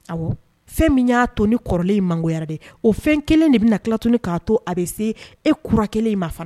Fɛn min y'a to ni kɔrɔlen in mangoyara de o fɛn kelen de bɛna na kilat k'a to a bɛ se euran kelen in ma fana